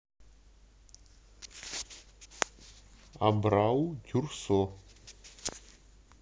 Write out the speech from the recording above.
абрау дюрсо